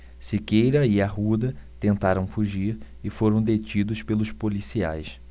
siqueira e arruda tentaram fugir e foram detidos pelos policiais